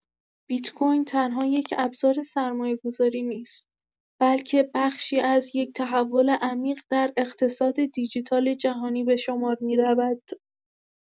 بیت‌کوین تنها یک ابزار سرمایه‌گذاری نیست، بلکه بخشی از یک تحول عمیق در اقتصاد دیجیتال جهانی به شمار می‌رود.